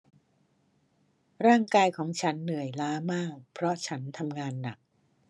ร่างกายของฉันเหนื่อยล้ามากเพราะฉันทำงานหนัก